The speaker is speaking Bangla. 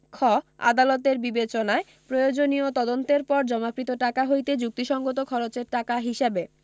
খ আদালতের বিবেচনায় প্রয়োজনীয় তদন্তের পর জমাকৃত টাকা হইতে যুক্তিসংগত খরচের টাকা হিসাবে